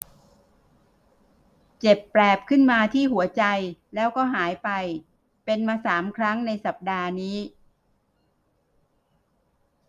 เจ็บแปลบขึ้นมาที่หัวใจแล้วก็หายไปเป็นมาสามครั้งในสัปดาห์นี้